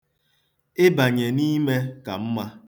Ịbanye n'ime ka mma.